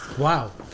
Waw.